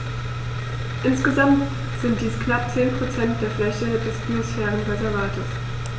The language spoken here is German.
Insgesamt sind dies knapp 10 % der Fläche des Biosphärenreservates.